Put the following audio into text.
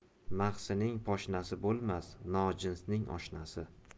mahsining poshnasi bo'lmas nojinsining oshnasi